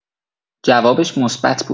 جوابش مثبت بود.